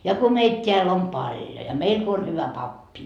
ja kun meitä täällä on paljon ja meillä kun on hyvä pappi